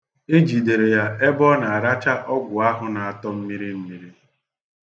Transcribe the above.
E jidere ya ebe ọ na-aracha ọgwụ ahụ na-atọ mmirimmirị